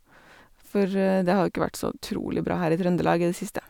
For det har jo ikke vært så utrolig bra her i Trøndelag i det siste.